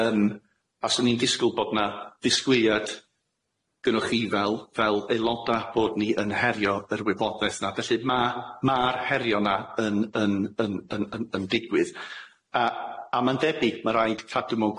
Yym a swn i'n disgwl bod na ddisgwyliad gynnoch chi fel fel aeloda bod ni yn herio yr wybodaeth na felly ma' ma'r herio na yn yn yn yn yn yn digwydd a a ma'n debyg ma' raid cadw mewn